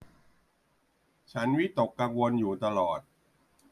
ฉันวิตกกังวลอยู่ตลอด